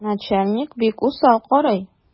Начальник бик усал карый.